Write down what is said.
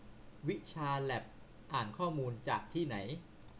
วิชาแล็บอ่านข้อมูลจากที่ไหน